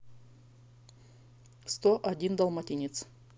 сто один далматинец